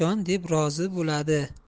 deb rozi bo'ladi